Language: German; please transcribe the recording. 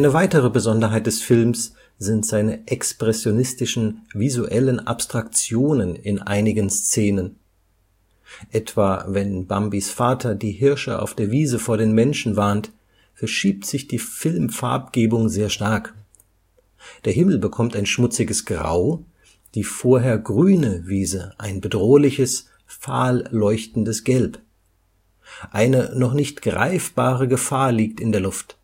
weitere Besonderheit des Films sind seine expressionistischen, visuellen Abstraktionen in einigen Szenen. Etwa wenn Bambis Vater die Hirsche auf der Wiese vor den Menschen warnt, verschiebt sich die Filmfarbgebung sehr stark: Der Himmel bekommt ein schmutziges Grau, die vorher grüne Wiese ein bedrohliches, fahl leuchtendes Gelb. Eine noch nicht greifbare Gefahr liegt in der Luft